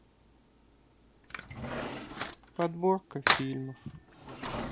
подборка фильмов